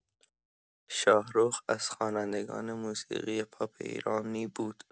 شاهرخ از خوانندگان موسیقی پاپ ایرانی بود.